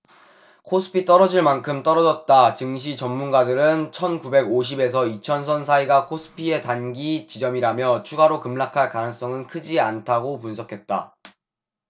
코스피 떨어질 만큼 떨어졌다증시 전문가들은 천 구백 오십 에서 이천 선 사이가 코스피의 단기 저점이라며 추가로 급락할 가능성은 크지 않다고 분석했다